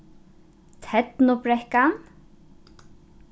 ternubrekkan